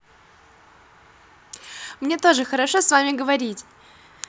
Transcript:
мне тоже хорошо с вами говорить